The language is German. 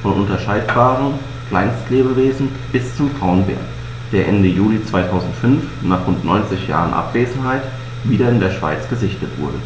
von unscheinbaren Kleinstlebewesen bis zum Braunbär, der Ende Juli 2005, nach rund 90 Jahren Abwesenheit, wieder in der Schweiz gesichtet wurde.